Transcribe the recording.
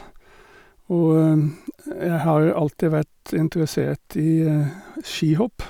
Og jeg har jo alltid vært interessert i skihopp.